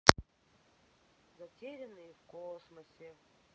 затерянные в космосе